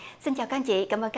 xin chào các anh chị cảm ơn